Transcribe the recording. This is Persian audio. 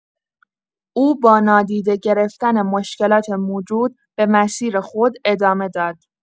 او با نادیده گرفتن مشکلات موجود، به مسیر خود ادامه داد.